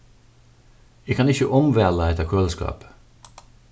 eg kann ikki umvæla hetta køliskápið